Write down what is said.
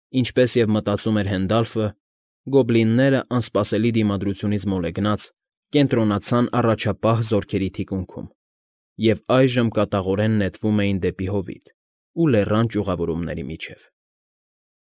Ինչպես և մտածում էր Հենդալֆը, գոբլինները, անսպասելի դիմադրությունից մոլեգնած, կենտրոնացան առաջապահ զորքերի թիկունքում և այժմ կատաղորեն նետվում էին դեպի հովիտ ու լեռան ճյուղավորումների միջև։